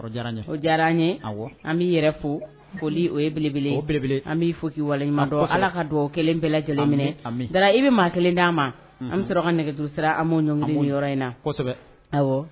Diyara an yɛrɛ fo o belebeleele an bɛ fɔ wale dɔn ala ka dugawu kelen bɛɛ lajɛlenminɛ da i bɛ maa kelen di an ma an bɛ sɔrɔ ka nɛgɛ sira an' ɲɔn yɔrɔ in na